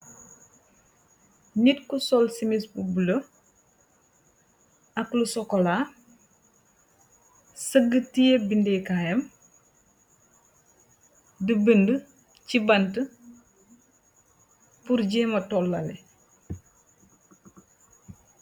Nitt ku sol chemise bu bleu, ak lu chocolat, sehgu tiyeh bindeh kaayam, dii bindi chi bantue, pur jehhmah torlaleh.